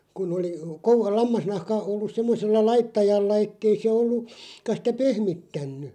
kun oli kun lammasnahka ollut semmoisella laittajalla että ei se - ollutkaan sitä pehmittänyt